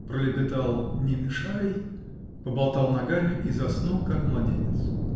Пролепетал: "Не мешай!" -- поболтал ногами и заснул, как младенец.